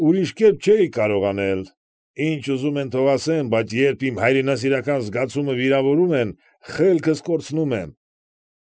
Ուրիշ կերպ չէի կարող անել։ Ինչ ուզում են թող ասեն, բայց երբ իմ հայրենասիրական զգացումը վիրավորում են, խելքս կորցնում եմ։